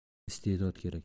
istedod kerak